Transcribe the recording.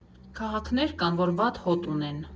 Քաղաքներ կան, որ վատ հոտ ունեն։